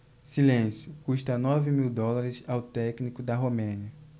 silêncio custa nove mil dólares ao técnico da romênia